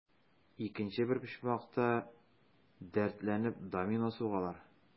Икенче бер почмакта, дәртләнеп, домино сугалар.